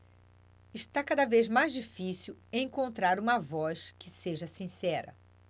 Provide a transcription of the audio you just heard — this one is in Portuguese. está cada vez mais difícil encontrar uma voz que seja sincera